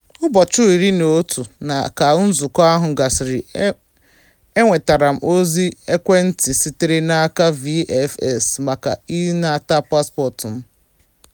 Ụbọchị 11 ka nzukọ ahụ gasịrị, enwetara m ozi ekwentị sitere n'aka VFS maka ịnata paspọtụ m.